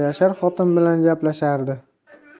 yashar xotin bilan gaplashardi